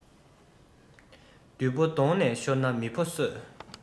བདུད པོ དོང ནས ཤོར ན མི ཕོ གསོད